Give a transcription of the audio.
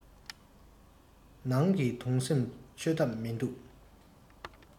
ནང གི དུང སེམས ཆོད ཐབས མིན འདུག